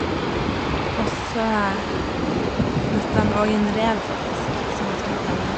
Og så møtte han òg en rev, faktisk, som han skulle temme.